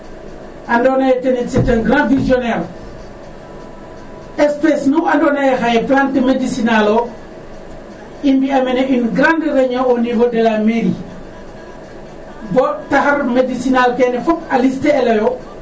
andoona yee c' est un grand visionnaire .Espece nu andoona yee plante médicinal o i mbi'aa mene une reunion au niveau de la mairie bo taxar médecinale kene fop a liste elooyo.